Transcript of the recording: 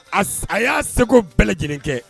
A a y'a segu bɛɛ lajɛlen kɛ